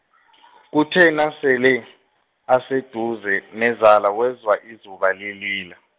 kuthe nasele, aseduze nezala wezwa izuba lilila.